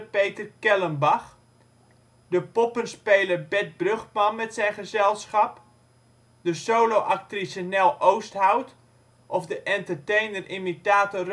Peter Kellenbach), de poppenspeler Bert Brugman met zijn gezelschap, de solo-actrice Nel Oosthout of de entertainer/imitator